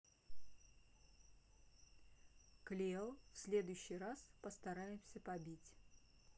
клео в следующий раз постараемся побить